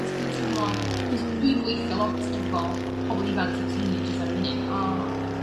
'C'os dw i'n teimlo 'c'os dwi'n gweithio lot efo pobol ifanc so teenagers ar y funu a